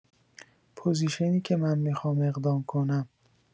پوزیشنی که من می‌خوام اقدام کنم